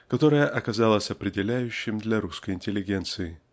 которое оказалось определяющим для русской интеллигенции.